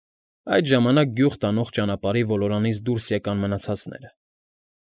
Այդ ժամանակ գյուղ տանող ճանապարհի ոլորանից դուրս եկան մնացածները։